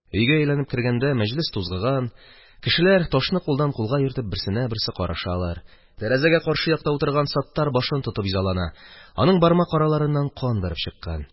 Өйгә әйләнеп кергәндә, мәҗлес тузгыган, кешеләр, ташны кулдан кулга йөртеп, берсенә берсе карашалар, тәрәзәгә каршы якта утырган Саттар башын тотып изалана, аның бармак араларыннан кан бәреп чыккан.